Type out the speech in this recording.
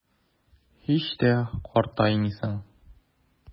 Һич тә картаймыйсың.